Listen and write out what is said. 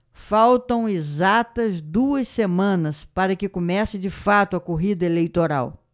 faltam exatas duas semanas para que comece de fato a corrida eleitoral